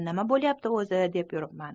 nima bo'lyapti o'zi deb yuribman